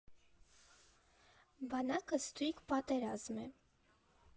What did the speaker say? Բանակը ստույգ պատերազմ է։